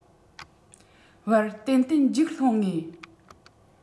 བར ཏན ཏན འཇིགས སློང ངེས